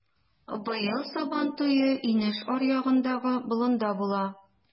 Быел Сабантуе инеш аръягындагы болында була.